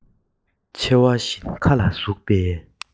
མཆེ བ བཞིན མཁའ ལ ཟུག བའི